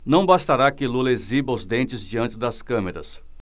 não bastará que lula exiba os dentes diante das câmeras